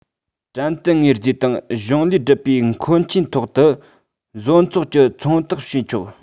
དྲན རྟེན དངོས རྫས དང གཞུང ལས སྒྲུབ པའི མཁོ ཆས ཐོག ཏུ བཟོ ཚོགས ཀྱི མཚོན རྟགས བྱས ཆོག